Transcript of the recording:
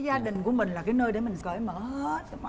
gia đình của mình là cái nơi để mình cởi mở hết